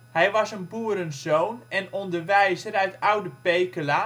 Hij was een boerenzoon en onderwijzer uit Oude Pekela